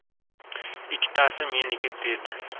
ikkitasi meniki dedi